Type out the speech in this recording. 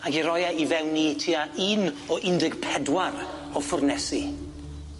ag i roi e i fewn i tua un o un deg pedwar o ffwrnesi.